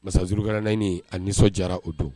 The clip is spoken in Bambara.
Masazurukkara naani a nisɔn jara o don